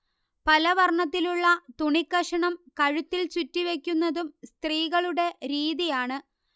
പലവർണ്ണത്തിലുള്ള തുണികഷ്ണം കഴുത്തിൽ ചുറ്റി വെക്കുന്നതും സ്ത്രീകളുടെ രീതിയാണ്